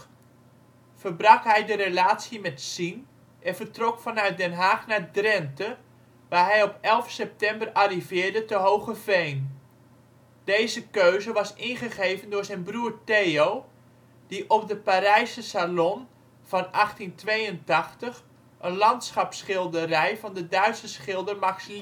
verbrak hij de relatie met Sien en vertrok vanuit Den Haag naar Drenthe, waar hij op 11 september arriveerde te Hoogeveen. Deze keuze was ingegeven door zijn broer Theo die op de Parijse Salon van 1882 een landschapsschilderij van de Duitse schilder Max